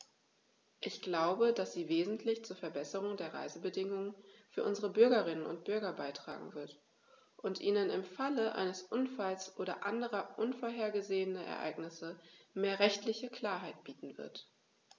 Ich glaube, dass sie wesentlich zur Verbesserung der Reisebedingungen für unsere Bürgerinnen und Bürger beitragen wird, und ihnen im Falle eines Unfalls oder anderer unvorhergesehener Ereignisse mehr rechtliche Klarheit bieten wird.